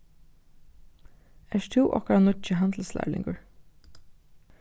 ert tú okkara nýggi handilslærlingur